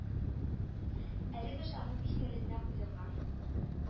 Әлеге шәхес истәлегенә куелган